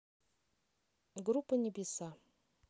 группа небеса